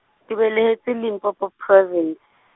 ke belegetšwe Limpopo Province.